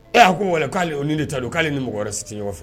Ɛ a ko wa k'ale o nin de taa don k'ale ni mɔgɔ wɛrɛ si tɛ ɲɔgɔn fɛ